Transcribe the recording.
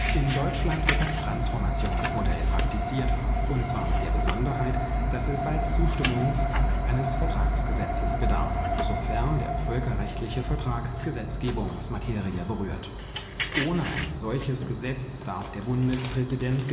In Deutschland wird das Transformationsmodell praktiziert und zwar mit der Besonderheit, dass es als Zustimmungsakt eines Vertragsgesetzes bedarf, sofern der völkerrechtliche Vertrag Gesetzgebungsmaterie berührt. Ohne ein solches Gesetz darf der Bundespräsident